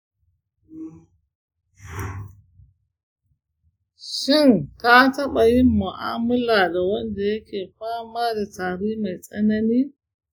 shin ka taba yin mu'amala da wanda yake fama da tari mai tsanani?